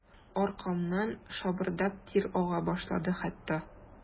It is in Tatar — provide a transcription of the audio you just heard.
Аркамнан шабырдап тир ага башлады хәтта.